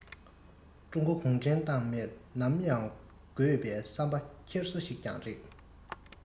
ཀྲུང གོའི གུང ཁྲན ཏང མིར ནམ ཡང དགོས པའི བསམ པའི འཁྱེར སོ ཞིག ཀྱང རེད